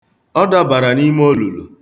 Ọ dabara n'ime olulu.